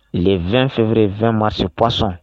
le22b2maasi pasɔn